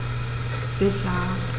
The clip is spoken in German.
Sicher.